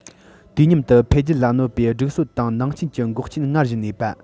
དུས མཉམ དུ འཕེལ རྒྱས ལ གནོད པའི སྒྲིག སྲོལ དང ནང རྐྱེན གྱི འགོག རྐྱེན སྔར བཞིན གནས པ